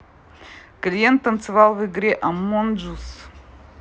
клиент танцевал в игре among us